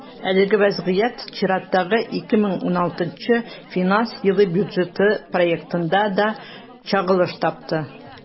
Әлеге вазгыять чираттагы, 2016 финанс елы бюджеты проектында да чагылыш тапты.